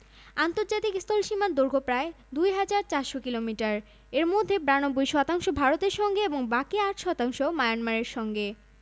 গঙ্গা পদ্মা ব্রহ্মপুত্র যমুনা সুরমা কুশিয়ারা মেঘনা কর্ণফুলি পুরাতন ব্রহ্মপুত্র আড়িয়াল খাঁ বুড়িগঙ্গা শীতলক্ষ্যা তিস্তা আত্রাই গড়াই মধুমতি কপোতাক্ষ